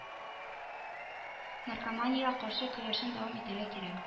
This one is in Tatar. “наркоманиягә каршы көрәшне дәвам итәргә кирәк”